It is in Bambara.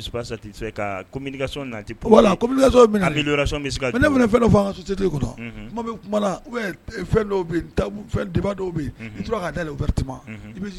Ne fɛn dɔw